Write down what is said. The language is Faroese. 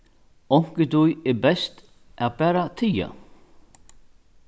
onkuntíð er best at bara tiga